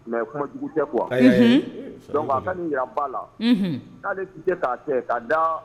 Mais kumajugu tɛ quoi unhun donc _a ka nin jira ba la n'ale tɛ se k'a kɛ ka da